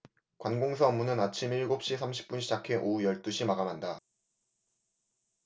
관공서 업무는 아침 일곱 시 삼십 분 시작해 오후 열 두 시 마감한다